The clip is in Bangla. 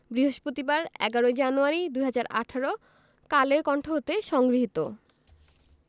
বৃহস্পতিবার ১১ জানুয়ারি ২০১৮ কালের কন্ঠ হতে সংগৃহীত